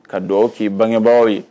Ka duwawu ki bangebagaw ye.